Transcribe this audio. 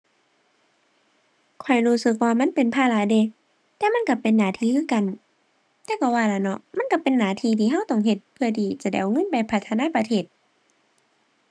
ข้อยรู้สึกว่ามันเป็นภาระเดะ แต่มันก็เป็นหน้าที่คือกัน แต่ก็ว่าล่ะเนาะ มันก็เป็นหน้าที่ที่ก็ต้องเฮ็ด เพื่อที่จะได้เอาเงินไปพัฒนาประเทศ